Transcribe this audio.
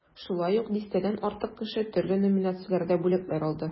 Шулай ук дистәдән артык кеше төрле номинацияләрдә бүләкләр алды.